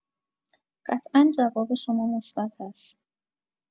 قطعا جواب شما مثبت است